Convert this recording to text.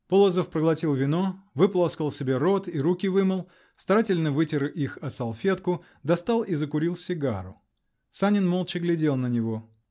Полозов проглотил вино, выполоскал себе рот и руки вымыл, старательно вытер их о салфетку, достал и закурил сигару. Санин молча глядел на него.